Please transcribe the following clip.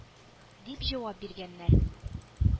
— дип җавап биргәннәр.